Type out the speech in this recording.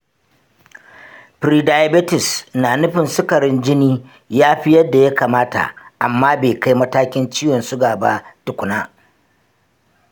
prediabetes na nufin sukarin jini ya fi yadda ya kamata amma bai kai matakin ciwon suga ba tukun na.